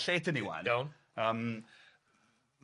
lle ydyn ni ŵan... Iawn. Yym